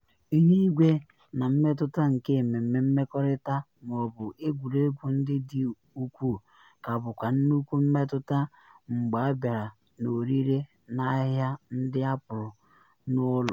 Ihuigwe na mmetụta nke mmemme mmerịkọta ma ọ bụ egwuregwu ndị dị ukwuu ka bụkwa nnukwu mmetụta mgbe ọ bịara n’ọrịre n’ahịa ndị apụrụ n’ụlọ.